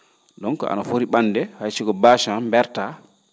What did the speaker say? donc ano fori ?a?de hay soko bache han mbertaa